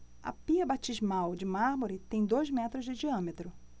a pia batismal de mármore tem dois metros de diâmetro